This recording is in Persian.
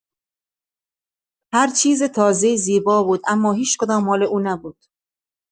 هر چیز تازه‌ای زیبا بود، اما هیچ‌کدام «مال او» نبود.